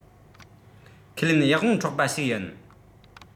ཁས ལེན ཡིད དབང འཕྲོག པ ཞིག ཡིན